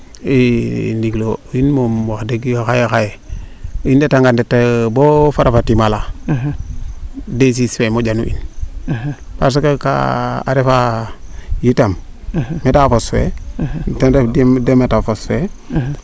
i ndingilo in moom wax deg xaye xaye i ndeta ndet boo wara fa timalaaa desice fee moƴanu in parce kaa a refaa yitam methaphose fee te ref de Methaphose fee